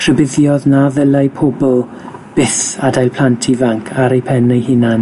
Rhybuddiodd na ddylai pobl byth adael plant ifanc ar eu pen eu hunan